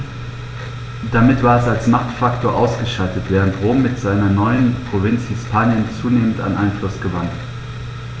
Damit war es als Machtfaktor ausgeschaltet, während Rom mit seiner neuen Provinz Hispanien zunehmend an Einfluss gewann.